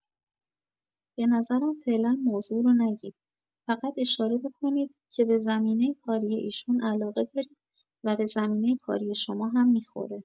به نظرم فعلا موضوع رو نگید، فقط اشاره بکنید که به زمینه کاری ایشون علاقه دارید و به زمینه کاری شما هم می‌خوره.